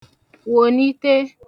wònite